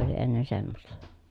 se oli ennen semmoista